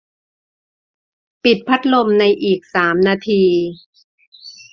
ปิดพัดลมในอีกสามนาที